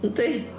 Yndi.